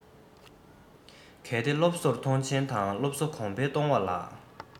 གལ ཏེ སློབ གསོར མཐོང ཆེན དང སློབ གསོ གོང འཕེལ གཏོང བ ལ